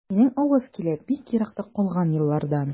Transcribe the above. Синең аваз килә бик еракта калган еллардан.